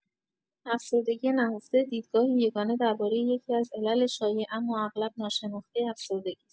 افسردگی نهفته، دیدگاهی یگانه درباره یکی‌از علل شایع اما اغلب ناشناخته افسردگی است.